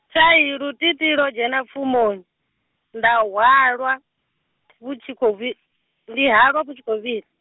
thai lutiitii ḽo dzhena pfamoni, nda hwalwa, vhu tshi khou vhi-, ndi halwa vhu shi khou vhila.